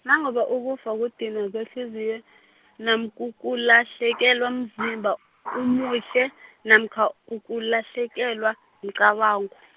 nangabukufa kudinwa kwehliziyo, namkha kulahlekelwa mzimba omuhle, namkha ukulahlekelwa mcabango.